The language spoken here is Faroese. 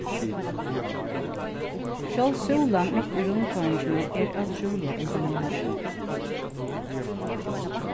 sjálv súlan mitt í rundkoyringini er ótrúliga imponerandi